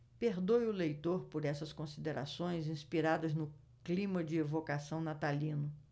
perdoe o leitor por essas considerações inspiradas no clima de evocação natalino